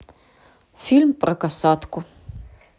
фильм про касатку